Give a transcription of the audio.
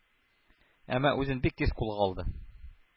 Әмма үзен бик тиз кулга алды.